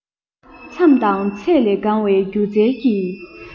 མཚམས དང ཚད ལས འགངས པའི སྒྱུ རྩལ གྱི